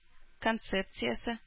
Концепциясе